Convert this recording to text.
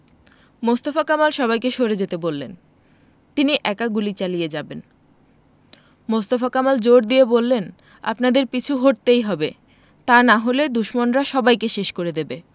মোস্তফা কামাল সবাইকে সরে যেতে বললেন তিনি একা গুলি চালিয়ে যাবেন মোস্তফা কামাল জোর দিয়ে বললেন আপনাদের পিছু হটতেই হবে তা না হলে দুশমনরা সবাইকে শেষ করে দেবে